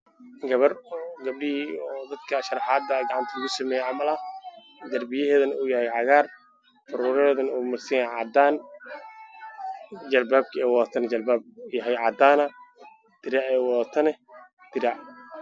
Halkaan waxaa ka muuqdo naag is farshaxan ah loo sawiray waxay qabtaa hijaab cadaan iyo saako orange ah background kana waa cagaar